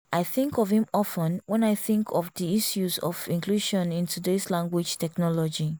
I think of him often when I think of the issues of inclusion in today’s language technology.